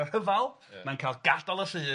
mae'n cael gadal y llys. Reit.